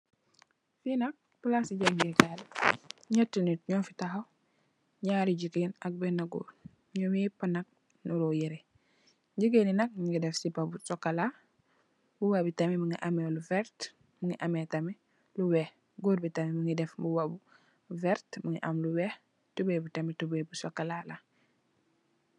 Fi nak palaas ci jangeekaay la, nyëtt nit nyo fi tahaw naari jigéen ak benna gòor. Num yëp nak ñungi niro yirè. Jigéen yi nak nungi def sipa bu sokola, mbuba bi tamit mungi ameh lu vert, mungi ameh tamit lu weeh. Gòor bi tamit mungi mbuba bu vert, mungi am lu weeh, tubeye bi tamit tubeye bi sokola la.